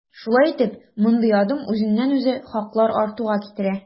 Шулай итеп, мондый адым үзеннән-үзе хаклар артуга китерә.